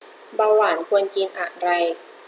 เบาหวานควรกินอะไร